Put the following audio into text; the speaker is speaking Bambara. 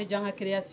Ya